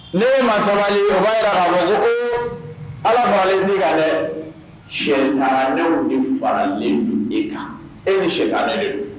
Ne ma saba jira ala'len dɛ shɛgaw ni faralen i ta e ni siga